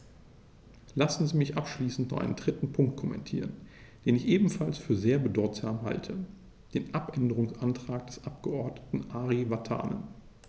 Lassen Sie mich abschließend noch einen dritten Punkt kommentieren, den ich ebenfalls für sehr bedeutsam halte: den Abänderungsantrag des Abgeordneten Ari Vatanen.